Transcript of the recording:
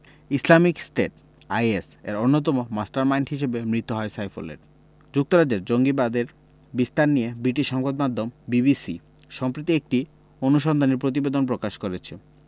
Islamic State IS এর অন্যতম mastermind হিসেবে মৃত্যু হয় সাইফুলের যুক্তরাজ্যে জঙ্গিবাদের বিস্তার নিয়ে ব্রিটিশ সংবাদমাধ্যম বিবিসি সম্প্রতি একটি অনুসন্ধানী প্রতিবেদন প্রকাশ করেছে